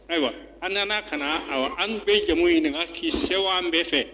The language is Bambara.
Ayiwa an nana ka an bɛ jamu ɲininka k'i se an bɛɛ fɛ